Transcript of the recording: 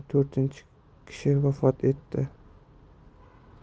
to'rtinchi kishi vafot etdi